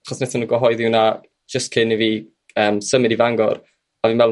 achos nethon n'w gyhoeddi hwna jyst cyn i fi yym symud i Fangor a fi'n meddwl